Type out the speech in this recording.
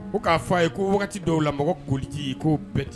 Ko k'a fɔ a ye ko wagati dɔw' la mɔgɔ koliji ko bɛɛ